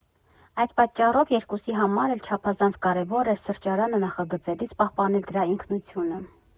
Այդ պատճառով երկուսի համար էլ չափազանց կարևոր էր սրճարանը նախագծելիս պահպանել դրա ինքնությունը։